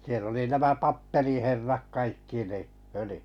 siellä oli nämä kappeliherrat kaikki niin följyssä